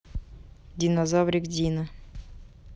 динозаврик дино